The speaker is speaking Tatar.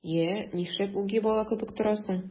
Йә, нишләп үги бала кебек торасың?